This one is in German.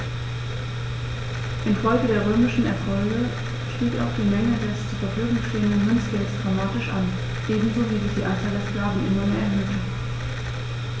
Infolge der römischen Erfolge stieg auch die Menge des zur Verfügung stehenden Münzgeldes dramatisch an, ebenso wie sich die Anzahl der Sklaven immer mehr erhöhte.